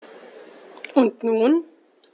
Und nun?